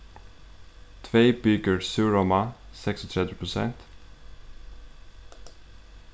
tvey bikør súrróma seksogtretivu prosent